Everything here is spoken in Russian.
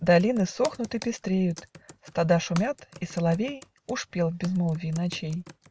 Долины сохнут и пестреют; Стада шумят, и соловей Уж пел в безмолвии ночей.